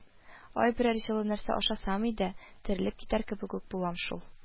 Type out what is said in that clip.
АЙ берәр җылы нәрсә ашасам иде, терелеп китәр кебек үк булам шул